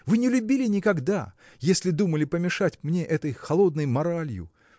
вы не любили никогда, если думали помешать мне этой холодной моралью.